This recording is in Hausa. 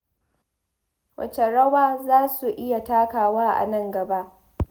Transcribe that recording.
Wacce rawa za su iya takawa a nan gaba?